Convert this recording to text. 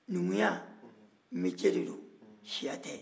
numuya baarada de don siya tɛ